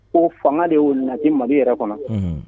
Ko fanga y'o nati ma yɛrɛ kɔnɔ